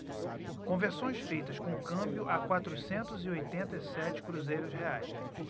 conversões feitas com câmbio a quatrocentos e oitenta e sete cruzeiros reais